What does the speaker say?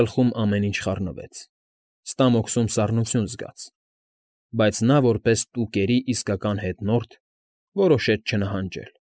Գլխում ամեն ինչ խառնվեց, ստամոքսում սառնոթյուն զգաց, բայց նա, որպես Տուկերի իսկական հետնորդ, որոշեց չնահանջել)։ ֊